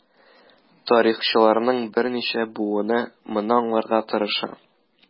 Тарихчыларның берничә буыны моны аңларга тырыша.